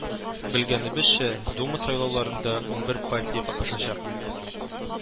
Белгәнебезчә, Дума сайлауларында унбер партия катнашачак